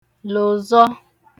lòzọ